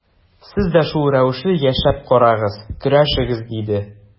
Сез дә шул рәвешле яшәп карагыз, көрәшегез, диде.